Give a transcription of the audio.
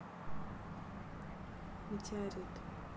метеорит